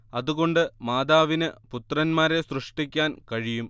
അതുകൊണ്ട് മാതാവിന് പുത്രന്മാരെ സൃഷ്ടിക്കാൻ കഴിയും